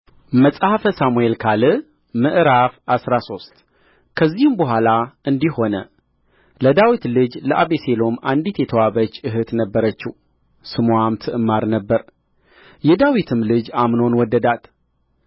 መጽሐፈ ሳሙኤል ካል ምዕራፍ አስራ ሶስት ከዚህም በኋላ እንዲህ ሆነ ለዳዊት ልጅ ለአቤሴሎም አንዲት የተዋበች እኅት ነበረችው ስምዋም ትዕማር ነበረ የዳዊትም ልጅ አምኖን ወደዳት